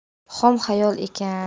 xom xayol ekan